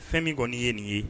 Fɛn min kɔni ye nin ye